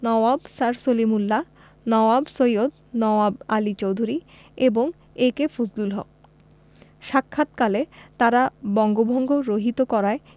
Nawab sir Salimullah Nawab Syed Nawab Ali Chowdhury এবং A K Fazlul Huq সাক্ষাৎকালে তাঁরা বঙ্গভঙ্গ রহিত করায়